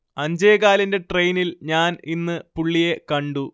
അഞ്ചേകാലിന്റെ ട്രെയിനിൽ ഞാൻ ഇന്ന് പുള്ളിയെ കണ്ടു